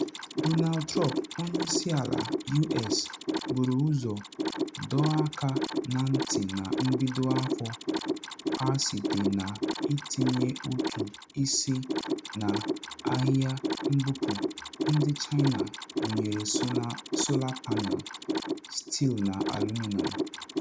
Donald Trump, Onye isi ala US, buru ụzọ dọọ aka na ntị na mbido afọ a site na itinye ụtụ isi na ahịa mbupu ndị China gụnyere sọla panel, steel na aluminium.